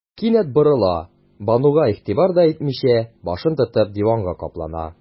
Кинәт борыла, Бануга игътибар да итмичә, башын тотып, диванга каплана.